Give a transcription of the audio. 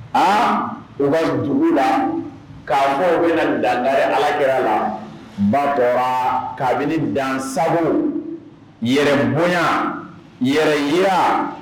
A u bɛ dugu la k'a fɔ u bɛna dankari alakira la ba tora kabini dan saga yɛrɛ bonya yɛrɛ jira!